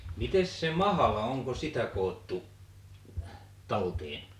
mitenkäs se mahla onko sitä koottu talteen